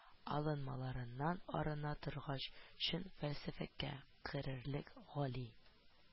Алынмаларыннан арына торгач, чын фәлсәфәгә керерлек, «гали